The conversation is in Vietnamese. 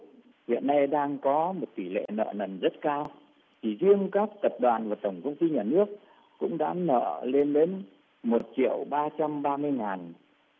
hiện nay đang có một tỷ lệ nợ nần rất cao chỉ riêng các tập đoàn và tổng công ty nhà nước cũng đã nợ lên đến một triệu ba trăm ba mươi ngàn